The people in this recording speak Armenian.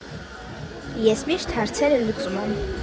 Ես միշտ հարցերը լուծում եմ։